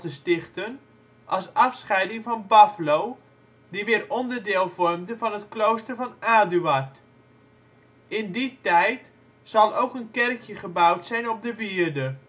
stichten, als afscheiding van Baflo, die weer onderdeel vormde van het klooster van Aduard. In die tijd zal ook een kerk gebouwd zijn op de wierde